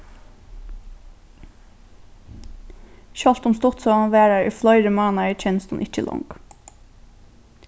sjálvt um stuttsøgan varar í fleiri mánaðir kennist hon ikki long